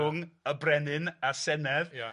rhwng y Brenin a'r Senedd... Ia.